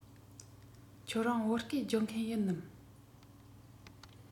ཁྱོད རང བོད སྐད སྦྱོང མཁན ཡིན ནམ